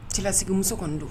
Kilasigi muso kɔnɔn don